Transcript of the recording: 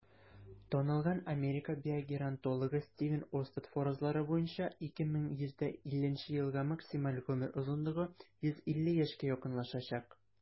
Танылган Америка биогеронтологы Стивен Остад фаразлары буенча, 2150 елга максималь гомер озынлыгы 150 яшькә якынлашачак.